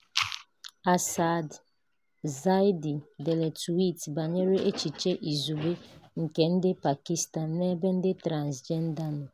Asad Zaidi dere twiiti banyere echiche izugbe nke ndị Pakistan n'ebe ndị transịjenda nọ: